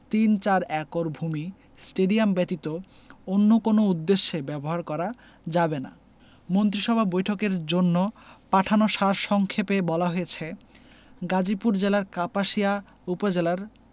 তিন চার একর ভূমি স্টেডিয়াম ব্যতীত অন্য কোনো উদ্দেশ্যে ব্যবহার করা যাবে না মন্ত্রিসভা বৈঠকের জন্য পাঠানো সার সংক্ষেপে বলা হয়েছে গাজীপুর জেলার কাপাসিয়া উপজেলার